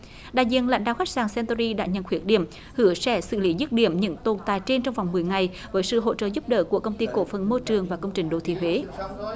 đại diện lãnh đạo khách sạn xen tơ ry đã nhận khuyết điểm hứa sẽ xử lý dứt điểm những tồn tại trên trong vòng mười ngày với sự hỗ trợ giúp đỡ của công ty cổ phần môi trường và công trình đô thị huế